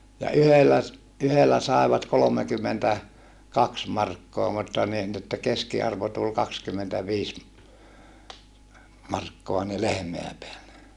ja yhdellä - yhdellä saivat - kolmekymmentäkaksi markkaa mutta niin niin että keskiarvo tuli kaksikymmentäviisi markkaa niin lehmää päälle